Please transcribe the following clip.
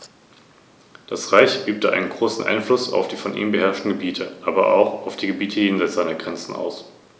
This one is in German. Ein Großteil des Parks steht auf Kalkboden, demnach dominiert in den meisten Gebieten kalkholde Flora.